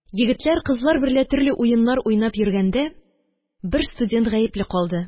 Егетләр, кызлар берлә төрле уеннар уйнап йөргәндә, бер студент гаепле калды.